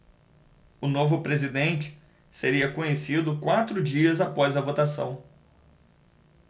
o novo presidente seria conhecido quatro dias após a votação